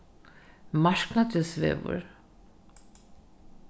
marknagilsvegur